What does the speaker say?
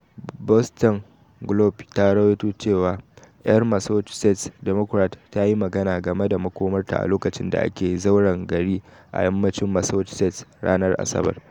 Boston Globe ta ruwaito ce ‘yar Massachusetts Democrat tayi magana game da makomarta a lokacin da ake zauren gari a yammacin Massachusetts ranar Asabar.